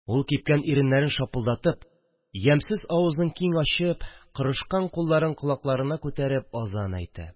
Ул, кипкән иреннәрен шапылдатып, ямьсез авызын киң ачып, корышкан кулларын колакларына күтәреп азан әйтә